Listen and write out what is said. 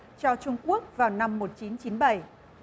cho trung quốc vào năm một chín chín bảy